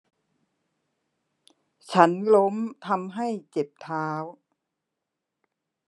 ฉันล้มทำให้เจ็บเท้า